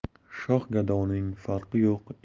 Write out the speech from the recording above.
shoh gadoning farqi yo'q